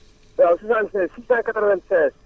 waaw 76 696